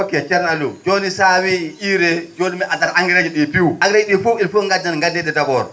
ok cerno Aliou jooni so a wiyii UREE jooni mi addat engrais ji ?ii piiw engrais ji ?i fof il faut ngadden ngadden ?i d' abord